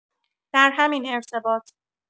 در همین ارتباط